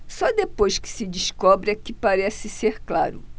só depois que se descobre é que parece ser claro